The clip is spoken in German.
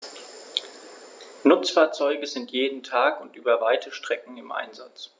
Nutzfahrzeuge sind jeden Tag und über weite Strecken im Einsatz.